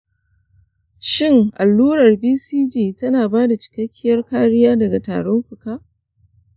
shin allurar bcg tana bada cikakkiyar kariya daga tarin fuka?